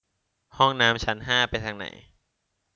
ห้องน้ำชั้นห้าไปทางไหน